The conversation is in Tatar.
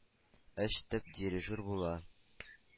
Өч төп “дирижер” була: